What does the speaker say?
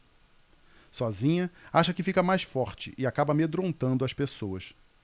sozinha acha que fica mais forte e acaba amedrontando as pessoas